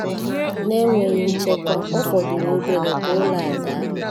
Na-enweghị nchekwa, ọ fọdụrụ obere ka ụlọ a daa.